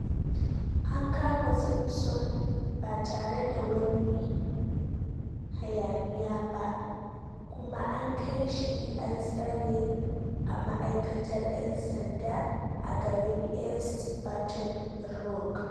An kama Simpson ba tare da wani hayaniya ba, kuma an kai shi an tsare a ma'aikatar 'yan sanda a garin East Baton Rouge.